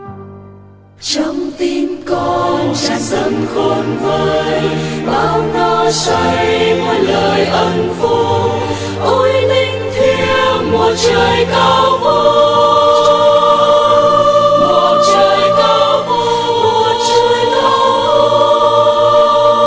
đk trong tim con tràn dâng khôn vơi bao no say muôn lời ân phúc ôi linh thiêng một trời cao vút